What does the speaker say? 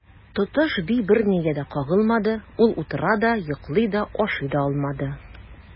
Тотыш би бернигә дә кагылмады, ул утыра да, йоклый да, ашый да алмады.